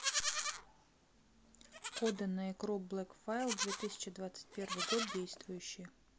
коды на игру blackfield две тысячи двадцать первый год действующие